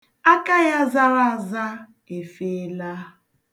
Aka ya zara aza efeela.